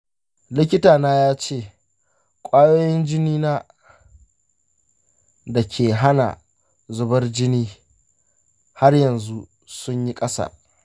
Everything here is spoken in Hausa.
likitana ya ce ƙwayoyin jinin na da ke hana zubar jini har yanzu sun yi ƙasa.